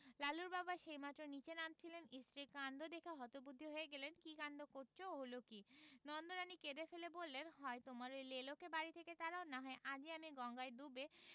লালুর বাবা সেইমাত্র নীচে নামছিলেন স্ত্রীর কাণ্ড দেখে হতবুদ্ধি হয়ে গেলেন কি কাণ্ড করচ হলো কি নন্দরানী কেঁদে ফেলে বললেন হয় তোমার ঐ লেলোকে বাড়ি থেকে তাড়াও না হয় আজই আমি গঙ্গায় ডুবে